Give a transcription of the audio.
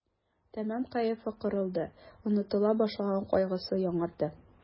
Тәмам кәефе кырылды, онытыла башлаган кайгысы яңарды.